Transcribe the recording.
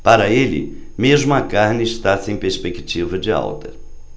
para ele mesmo a carne está sem perspectiva de alta